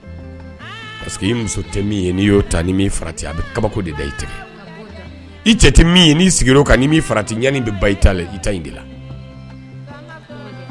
Parce que i muso tɛ min ye n'i y'o ta n'i farati a bɛ kabako de da i tɛgɛ, i cɛ tɛ min ye n'i sigira o kan n'i ma farati ɲani bɛ ban i ta in de la